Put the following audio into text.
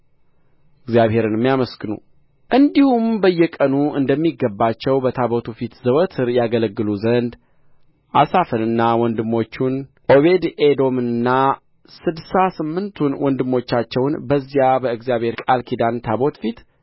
እግዚአብሔርንም ያመስግኑ እንዲሁም በየቀኑ እንደሚገባቸው በታቦቱ ፊት ዘወትር ያገለግሉ ዘንድ አሳፍንና ወንድሞቹን ዖቤድኤዶምንም ስድሳ ስምንቱንም ወንድሞቻቸውን በዚያ በእግዚአብሔር ቃል ኪዳን ታቦት ፊት